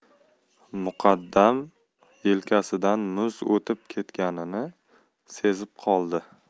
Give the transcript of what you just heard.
muqaddam yelkasidan muz o'tib ketganini sezib qoldi